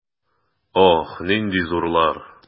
Ох, нинди зурлар!